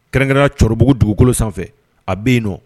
Kɛrɛn cɛkɔrɔbabugu dugukolo sanfɛ a bɛ yen nɔ